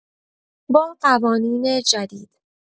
با قوانین جدید